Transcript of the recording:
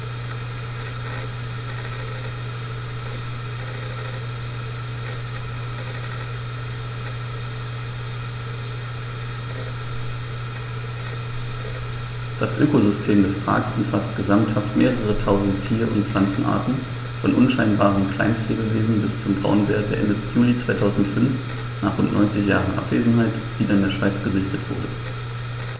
Das Ökosystem des Parks umfasst gesamthaft mehrere tausend Tier- und Pflanzenarten, von unscheinbaren Kleinstlebewesen bis zum Braunbär, der Ende Juli 2005, nach rund 90 Jahren Abwesenheit, wieder in der Schweiz gesichtet wurde.